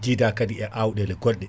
jiida kaadi e awɗele goɗɗe